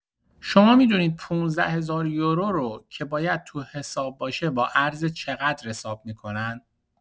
شما می‌دونین ۱۵۰۰۰ یورو رو که باید تو حساب باشه با ارز چقدر حساب می‌کنن؟